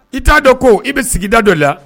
I t'a dɔn ko i bɛ sigida dɔ la